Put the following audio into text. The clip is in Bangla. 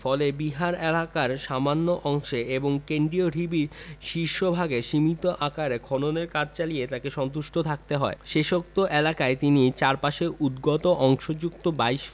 ফলে বিহার এলাকার সামান্য অংশে এবং কেন্দ্রীয় ঢিবির শীর্ষভাগে সীমিত আকারে খননের কাজ চালিয়েই তাঁকে সন্তুষ্ট থাকতে হয় শেষোক্ত এলাকায় তিনি চারপাশে উদ্গত অংশযুক্ত ২২